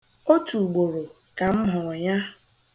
Otuugboro ka m hụrụ ya.